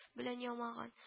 Белән ямаган